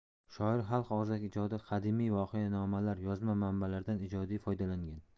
shoir xalq og'zaki ijodi qadimiy voqeanomalar yozma manbalardan ijodiy foydalangan